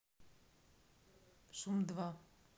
шум два